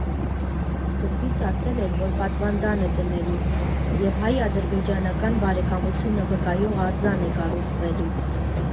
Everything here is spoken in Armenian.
Սկզբից ասել էր, որ պատվանդան է դնելու և հայ֊ադրբեջանական բարեկամությունը վկայող արձան է կառուցվելու։